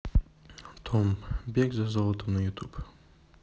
том бег за золотом на ютуб